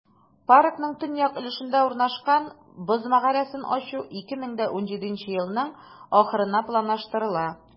Паркның төньяк өлешендә урнашкан "Боз мәгарәсен" ачу 2017 елның ахырына планлаштырыла.